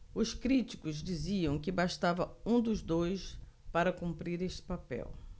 os críticos diziam que bastava um dos dois para cumprir esse papel